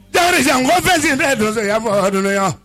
Bakarijan n ko fɛnsen tɛ donso dun wa